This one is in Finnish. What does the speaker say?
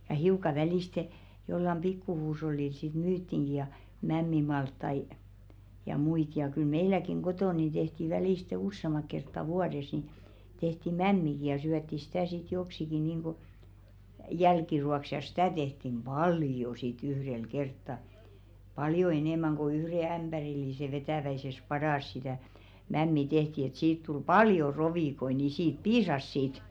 ja hiukan välistä jollakin pikku huushollilla sitten myytiinkin ja mämmimaltaita ja muita ja kyllä meilläkin kotona niin tehtiin välistä useamman kertaa vuodessa niin tehtiin mämmiäkin ja syötiin sitä sitten joksikin niin kuin jälkiruoaksi ja sitä tehtiin paljon sitten yhdellä kertaa paljon enemmän kuin yhden ämpärillisen vetävässä padassa sitä mämmiä tehtiin että siitä tuli paljon rovikoita niin siitä piisasi sitten